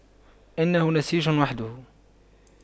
إنه نسيج وحده